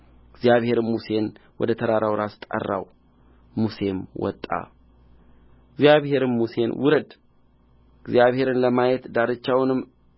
እግዚአብሔርም ሙሴን ወደ ተራራው ራስ ጠራው ሙሴም ወጣ እግዚአብሔርም ሙሴን ውረድ እግዚአብሔርን ለማየት ዳርቻውን